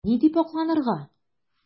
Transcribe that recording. Ни дип акланырга?